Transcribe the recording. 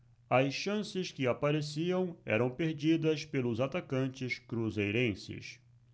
as chances que apareciam eram perdidas pelos atacantes cruzeirenses